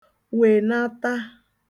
-wènata